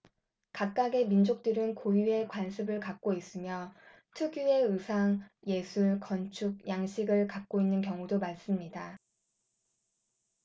각각의 민족들은 고유의 관습을 갖고 있으며 특유의 의상 예술 건축 양식을 갖고 있는 경우도 많습니다